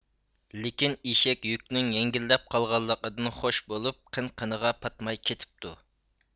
لىكىن ئىشەك يۈكنىڭ يەڭگىللەپ قالغانلىقىدىن خوش بۇلۇپ قېن قېنىغا پاتماي كىتىپتۇ